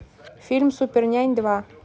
фильм супернянь два